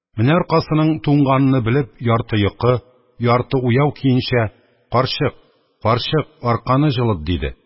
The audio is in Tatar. Менә аркасының туңганыны белеп, ярты йокы, ярты уяу көенчә: «Карчык, карчык!.. Арканы җылыт!» – диде.